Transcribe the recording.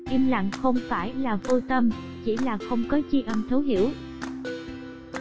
im lặng không phải là vô tâm chỉ là không có tri âm thấu hiểu